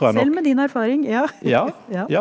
selv med din erfaring ja ja.